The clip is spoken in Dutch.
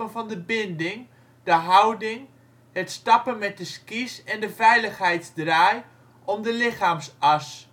van de binding, de houding, het stappen met de ski 's en de veiligheidsdraai om de lichaamsas. De